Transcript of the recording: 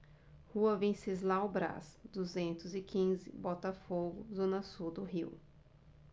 rua venceslau braz duzentos e quinze botafogo zona sul do rio